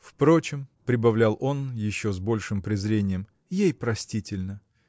– Впрочем, – прибавлял он еще с большим презрением, – ей простительно